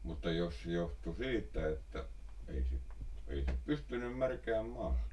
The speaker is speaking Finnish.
mutta jos se johtui siitä että ei sitten ei sitten pystynyt märkään maahan